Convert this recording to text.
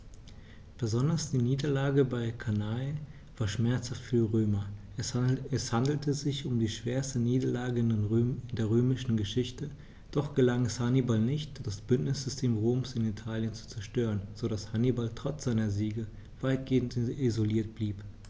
Besonders die Niederlage bei Cannae war schmerzhaft für die Römer: Es handelte sich um die schwerste Niederlage in der römischen Geschichte, doch gelang es Hannibal nicht, das Bündnissystem Roms in Italien zu zerstören, sodass Hannibal trotz seiner Siege weitgehend isoliert blieb.